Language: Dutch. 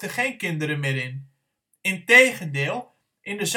geen kinderen meer in. Integendeel: in de